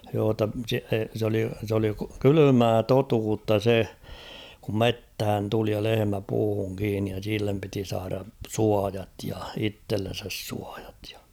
joo jotta se se oli se oli kylmää totuutta se kun metsään tuli ja lehmä puuhun kiinni ja sille piti saada suojat ja itsellensä suojat ja